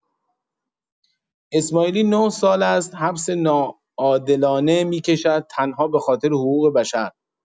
اسماعیلی ۹ سال است حبس ناعادلانه می‌کشد تنها بخاط حقوق‌بشر.